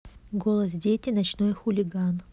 голос дети ночной хулиган